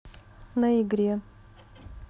на игре